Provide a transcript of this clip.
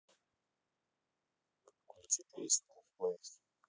включи эйс оф бейс